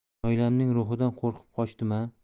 noilamning ruhidan qo'rqib qochdim a